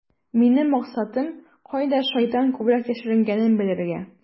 Минем максатым - кайда шайтан күбрәк яшеренгәнен белергә.